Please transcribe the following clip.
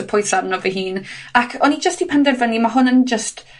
o pwyse arno fy hun, ac o'n i jyst 'di penderfynu ma' hwn yn jyst